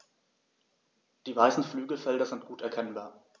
Die weißen Flügelfelder sind gut erkennbar.